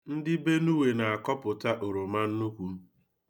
Ndị Benue na-akọpụta oroma nnukwu.